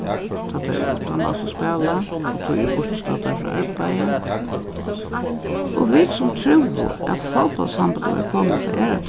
tá tær eru uttanlands og spæla og tí eru burturstaddar frá arbeiði og vit sum trúðu at fótbóltssambandið var komið upp á aðrar